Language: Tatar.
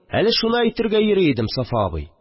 Әле шуны әйтергә йөри идем, Сафа абый